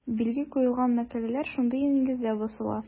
Билге куелган мәкаләләр шундый нигездә басыла.